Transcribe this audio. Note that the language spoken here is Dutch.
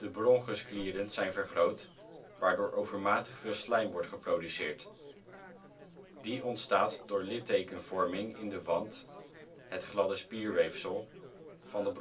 bronchusklieren zijn vergroot waardoor overmatig veel slijm wordt geproduceerd. Die ontstaat door littekenvorming in de wand, het gladde spierweefsel, van de